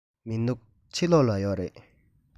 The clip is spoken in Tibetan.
མི འདུག ཕྱི ལོགས ལ ཡོད རེད